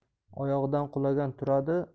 oyog'idan qulagan turadi